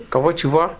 Ka bɔ ci wa